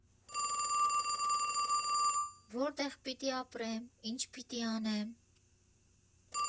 Որտե՞ղ պիտի ապրեմ, ի՞նչ պիտի անեմ։